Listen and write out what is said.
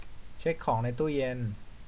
เช็คของในตู้เย็น